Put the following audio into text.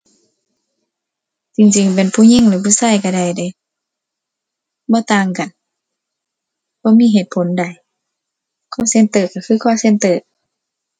จริงจริงเป็นผู้หญิงหรือผู้ชายชายได้เดะ บ่ต่างกัน บ่มีเหตุผลใด call center ชายคือ call center